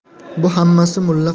bu hammasi mulla